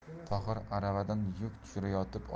tohir aravadan yuk tushirayotib